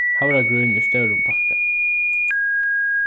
havragrýn í stórum pakka